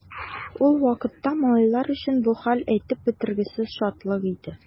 Ул вакытта малайлар өчен бу хәл әйтеп бетергесез шатлык иде.